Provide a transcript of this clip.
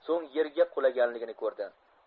so'ng yerga qulaganligini ko'rdi